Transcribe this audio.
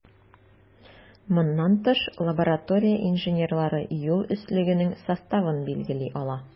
Моннан тыш, лаборатория инженерлары юл өслегенең составын билгели ала.